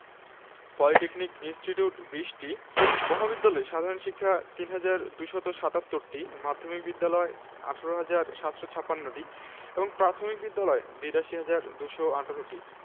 polytechnic institute ২০টি মহাবিদ্যালয় সাধারণ শিক্ষা ৩হাজার ২৭৭টি মাধ্যমিক বিদ্যালয় ১৮হাজার ৭৫৬টি এবং প্রাথমিক বিদ্যালয় ৮২হাজার ২১৮টি